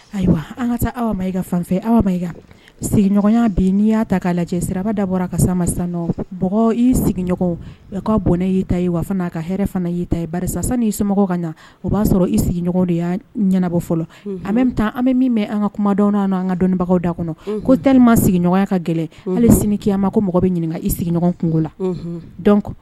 Ayiwa an ka taa aw ma i ka fanfɛ aw sigiɲɔgɔnya bi n'i y'a ta k'a lajɛ siraba da bɔra ka sa ma sa i sigiɲɔgɔn ka bɔnɛ' ta ye wa fana'a ka hɛrɛ fana y' ta ye ba san i somɔgɔw ka ɲɛ o b'a sɔrɔ i sigiɲɔgɔn de y' ɲɛnabɔ fɔlɔ an bɛ an bɛ min bɛ an ka kumadenw an ka dɔnnibagaw da kɔnɔ ko tma sigiɲɔgɔnya ka gɛlɛn hali sini k'ya ma ko mɔgɔ bɛ ɲininka i sigiɲɔgɔn kungo la dɔn